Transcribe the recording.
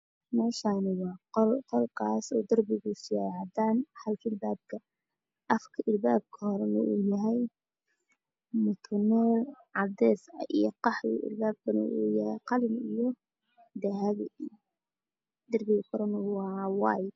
Meeshaani waa qol qolkaas oo darbigiisu yahay cadaan halka afka alababka hore yahay mutuleel cadays ah iyo qaxwi albaabkuna uu yahay qalin iyo dahabi darbiga korana waa waayt (white)